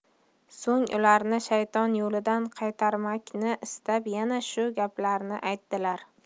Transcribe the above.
so'ng ularni shayton yo'lidan qaytarmakni istab yana shu gaplarni aytdilar